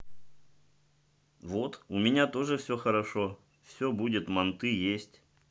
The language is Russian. вот у меня тоже все хорошо все будет манты есть